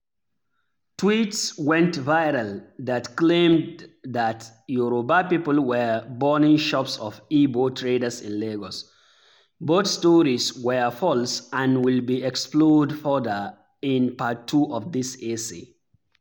Tweets went viral that claimed that Yoruba people were burning shops of Igbo traders in Lagos. Both stories were false and will be explored further in Part II of this essay.